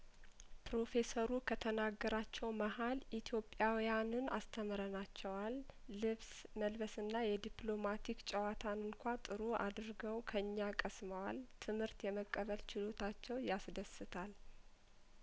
ፕሮፌሰሩ ከተናገራቸው መሀል ኢትዮጵያውያንን አስተምረናቸዋል ልብስ መልበስና የዲፕሎማቲክ ጨዋታን እንኳን ጥሩ አድርገው ከኛ ቀስመዋል ትምህርት የመቀበል ችሎታቸው ያስደስታል